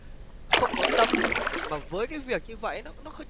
không có tâm mà với cái việc như vậy nó nó